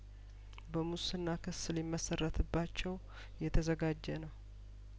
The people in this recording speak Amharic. በሙስና ክስ ሊመሰረትባቸው እየተዘጋጀ ነው